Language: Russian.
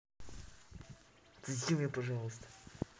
отсоси мне пожалуйста